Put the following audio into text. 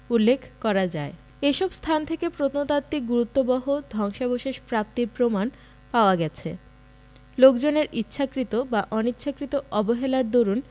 উল্লেখ করা যায় এসব স্থান থেকে প্রত্নতাত্ত্বিক গুরুত্ববহ ধ্বংসাবশেষ প্রাপ্তির প্রমাণ পাওয়া গেছে লোকজনের ইচ্ছাকৃত বা অনিচ্ছাকৃত অবহেলার দরুণ